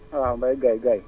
waa Mbaye gaye Gaye